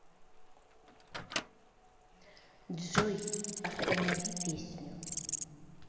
джой останови песню